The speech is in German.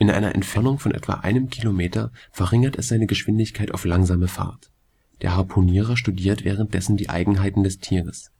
einer Entfernung von etwa einem Kilometer verringert es seine Geschwindigkeit auf langsame Fahrt. Der Harpunier studiert währenddessen die Eigenheiten des Tieres